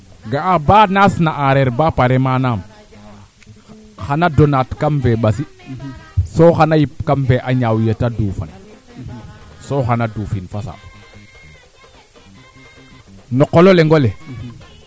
nderes fa roog noke moƴna may xana jeg waaga fooge ka mandang to a soɓa koy a ndeet laxo a ndeet lax reko farnje leyel gonuma waa leyel Ngor Sagne a ne'e i i ngooyan Ngor Daga